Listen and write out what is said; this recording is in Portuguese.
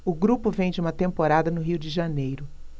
o grupo vem de uma temporada no rio de janeiro